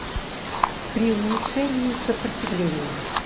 при уменьшении сопротивления